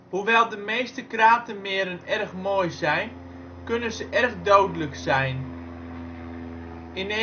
Hoewel de meeste kratermeren erg mooi zijn, kunnen ze erg dodelijk zijn. In 1986